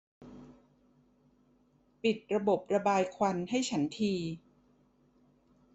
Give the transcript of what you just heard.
ปิดระบบระบายควันให้ฉันที